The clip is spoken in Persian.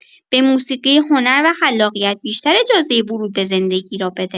به موسیقی، هنر و خلاقیت بیشتر اجازه ورود به زندگی را بده.